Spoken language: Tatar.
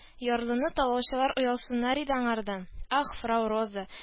Ярлыны талаучылар оялсыннар иде аңардан. -.Ах, фрау Роза